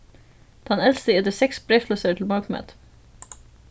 tann elsti etur seks breyðflísar til morgunmat